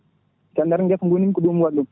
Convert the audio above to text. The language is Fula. ko nder guesa gonmi ko ɗum waɗi ɗum